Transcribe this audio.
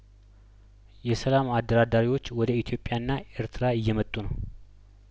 የሰላም አደራዳሪዎች ወደ ኢትዮጵያና ኤርትራ እየመጡ ነው